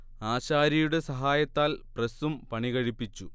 ആശാരിയുടെ സഹായത്താൽ പ്രസ്സും പണികഴിപ്പിച്ചു